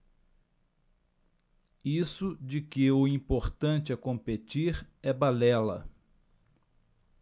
isso de que o importante é competir é balela